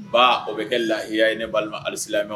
Ba o bɛ kɛ lahiya ye ne' alisala